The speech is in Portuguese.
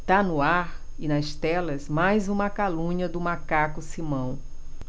tá no ar e nas telas mais uma calúnia do macaco simão